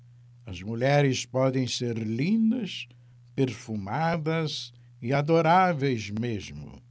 as mulheres podem ser lindas perfumadas e adoráveis mesmo